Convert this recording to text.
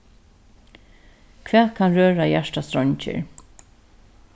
hvat kann røra hjartastreingir